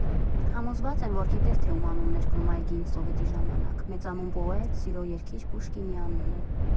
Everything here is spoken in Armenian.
Համոզված եմ, որ գիտես, թե ում անունն էր կրում այգին սովետի ժամանակ՝ մեծանուն պոետ, սիրո երգիչ Պուշկինի անունը։